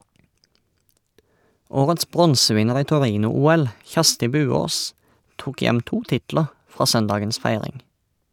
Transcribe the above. Årets bronsevinner i Torino-OL , Kjersti Buaas tok hjem to titler fra søndagens feiring.